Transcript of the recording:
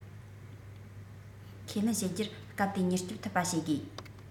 ཁས ལེན བྱེད རྒྱུར སྐབས དེའི མྱུར སྐྱོབ ཐུབ པ བྱེད དགོས